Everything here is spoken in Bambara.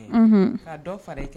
Unhun, ka dɔ fara i kan